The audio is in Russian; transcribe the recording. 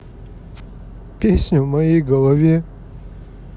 песня в моей голове